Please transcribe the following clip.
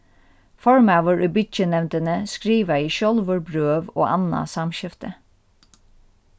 formaður í bygginevndini skrivaði sjálvur brøv og annað samskifti